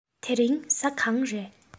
དེ རིང གཟའ གང རས